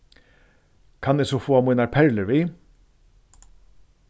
kann eg so fáa mínar perlur við